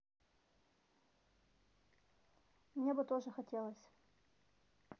мне бы тоже хотелось